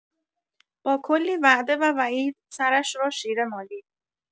با کلی وعده و وعید سرش را شیره مالید.